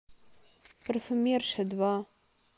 парфюмерша два